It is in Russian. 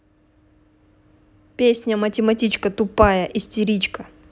песня математематичка тупая истеричка